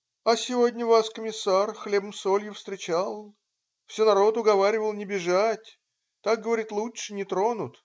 - А сегодня вас комиссар хлебом-солью встречал, все народ уговаривал не бежать, так, говорит, лучше: не тронут.